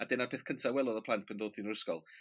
A dyna'r peth cynta welodd y plant pan dod yr ysgol.